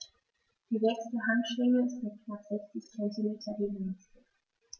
Die sechste Handschwinge ist mit knapp 60 cm die längste.